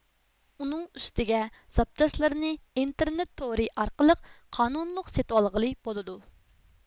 ئۇنىڭ ئۈستىگە زاپچاسلىرىنى ئىنتېرنېت تورى ئارقىلىق قانۇنلۇق سېتىۋالغىلى بولىدۇ